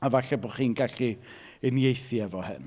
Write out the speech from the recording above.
A falle bod chi'n gallu unieithu efo hyn.